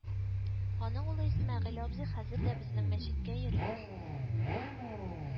Аның улы Исмәгыйль абзый хәзер дә безнең мәчеткә йөри